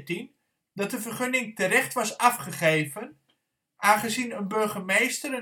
2014 dat de vergunning terecht was afgegeven, aangezien een burgemeester